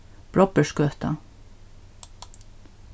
brobbersgøta